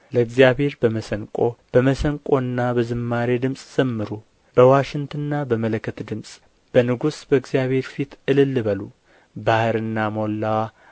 ለእግዚአብሔር በመሰንቆ በመሰንቆና በዝማሬ ድምፅ ዘምሩ በዋሽንትና በመለከት ድምፅ በንጉሥ በእግዚአብሔር ፊት እልል በሉ ባሕርና ሞላዋ